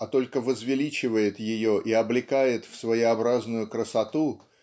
а только возвеличивает ее и облекает в своеобразную красоту